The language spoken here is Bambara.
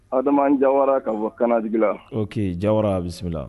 Adama adama jayara ka bɔ kaanaanaigi la o que ja wara a bisimila se la